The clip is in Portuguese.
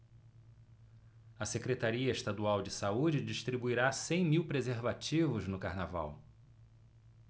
a secretaria estadual de saúde distribuirá cem mil preservativos no carnaval